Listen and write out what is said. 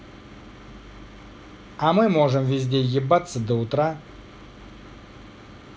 а мы можем везде ебаться до утра